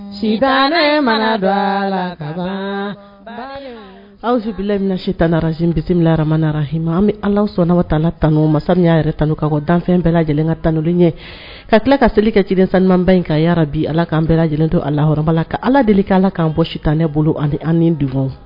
Si mana don la aw bisimilabimina si tanrasin bisimila ama nahima an bɛ ala sɔnna ka taa tan ni masaren y'a yɛrɛ tan ka bɔ danfɛn bɛɛla lajɛlen ka tan ɲɛ ka tila ka seli ka cirin sanmanba in ka'ra bi ala k'an bɛɛ lajɛlen don a la hamaba la ka ala deli k ala k'an bɔ sitan ne bolo ani an dun